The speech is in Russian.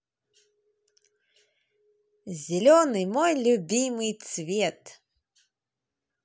зеленый мой любимый цвет